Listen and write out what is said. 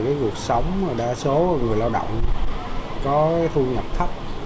cuộc sống đa số là người lao động có cái thu nhập thấp